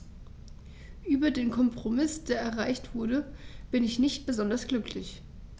Über den Kompromiss, der erreicht wurde, bin ich nicht besonders glücklich.